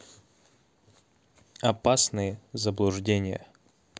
опасные заблуждения